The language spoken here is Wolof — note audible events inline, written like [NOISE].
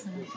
[HESITATION] [HESITATION]